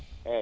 eeyi